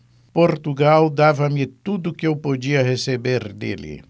portugal dava-me tudo o que eu podia receber dele